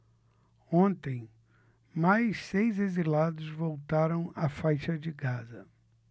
ontem mais seis exilados voltaram à faixa de gaza